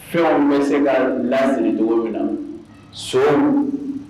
Fula bɛ se ka la cogo min na so